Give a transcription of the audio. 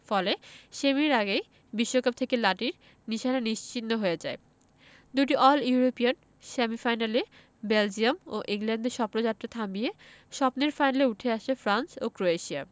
ফলে সেমির আগেই বিশ্বকাপ থেকে লাতিন নিশানা নিশ্চিহ্ন হয়ে যায় দুটি অল ইউরোপিয়ান সেমিফাইনালে বেলজিয়াম ও ইংল্যান্ডের স্বপ্নযাত্রা থামিয়ে স্বপ্নের ফাইনালে উঠে আসে ফ্রান্স ও ক্রোয়েশিয়া